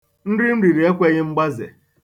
Nri m riri ekweghị magbaze.